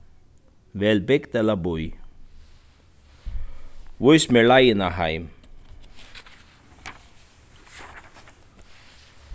vel bygd ella bý vís mær leiðina heim